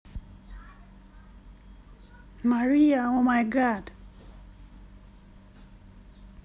мария о май гад